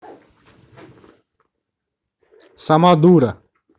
сама дура